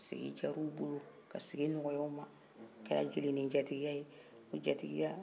sigi diyara u bolo ka sigi nɔgɔya u ma a kɛra jeli-ni-jatigiya jatitigiya